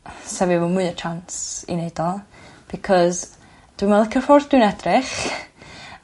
sa fi efo mwy o chance i neud o because dwi'm yn licio ffordd dwi'n edrych